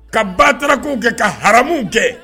Ka ba taararaw kɛ ka haw kɛ